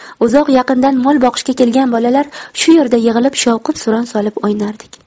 uzoq yaqindan mol boqishga kelgan bolalar shu yerda yig'ilib shovqin suron solib o'ynardik